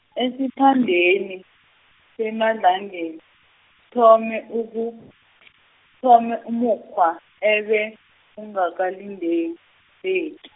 esiphandeni, seMadlangeni, kuthome uku- kuthome, umukghwa, ebe, ungakalindeleki.